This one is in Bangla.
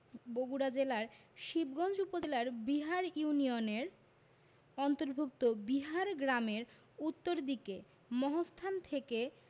বগুড়া জেলার শিবগঞ্জ উপজেলার বিহার ইউনিয়নের অন্তর্ভুক্ত বিহার গ্রামের উত্তর দিকে মহাস্থান থেকে